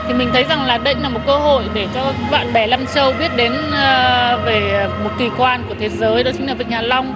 thì mình thấy rằng là đây cũng là một cơ hội để cho bạn bè năm châu biết đến ờ về một kì quan của thế giới đó chính là vịnh hạ long